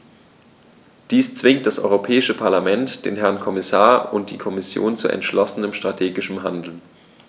Dies zwingt das Europäische Parlament, den Herrn Kommissar und die Kommission zu entschlossenem strategischen Handeln.